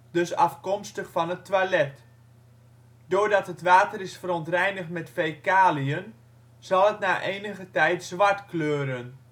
dus afkomstig van het toilet. Doordat het water is verontreinigd met fecaliën, zal het na enige tijd zwart kleuren